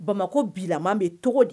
Bamakɔ bila bɛ tɔgɔ di